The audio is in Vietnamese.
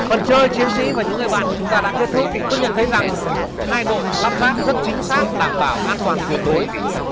phần chơi chiến sĩ và những người bạn của chúng ta đã kết thúc tôi nhận thấy rằng hai đội lắp ráp rất chính xác đảm bảo an toàn tuyệt đối